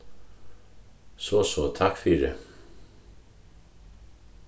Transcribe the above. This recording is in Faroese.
so so takk fyri